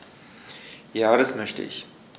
Ja, das möchte ich.